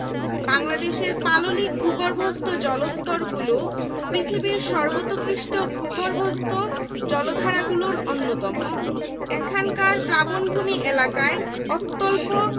বাংলাদেশের পাললিক ভূগর্ভস্থ জলস্তরগুলো পৃথিবীর সর্বোৎকৃষ্টভূগর্ভস্থ জলধারগুলোর অন্যতম এখানকার প্লাবনভূমি এলাকায় অত্যল্প